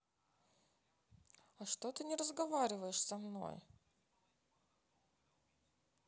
а что ты не разговариваешь со мной